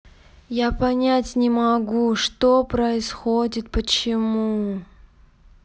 я понять не могу что происходит почему